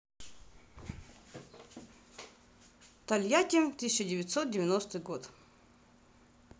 тольятти тысяча девятьсот девяностый год